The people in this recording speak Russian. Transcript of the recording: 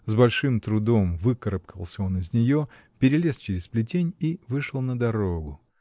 С большим трудом выкарабкался он из нее, перелез через плетень и вышел на дорогу.